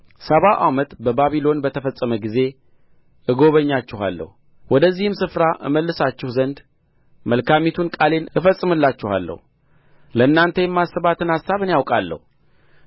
ሰባው ዓመት በባቢሎን በተፈጸመ ጊዜ እጐበኛችኋለሁ ወደዚህም ስፍራ እመልሳችሁ ዘንድ መልካሚቱን ቃሌን እፈጽምላችኋለሁ ለእናንተ የማስባትን አሳብ እኔ አውቃለሁ